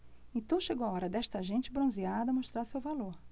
então chegou a hora desta gente bronzeada mostrar seu valor